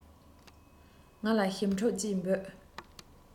ང ལ ཞིམ ཕྲུག ཅེས འབོད